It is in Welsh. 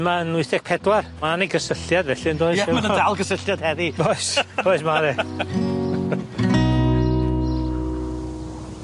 ...'ma yn wyth deg pedwar ma' 'ne gysylltiad felly yndoes? Ma' 'na dal gysylltiad heddi! Oes. Oes ma' 'ne.